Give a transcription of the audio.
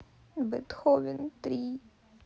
бетховен три